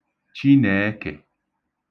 Chinèekè